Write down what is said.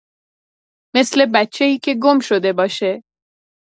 مثل بچه‌ای که گم شده باشه.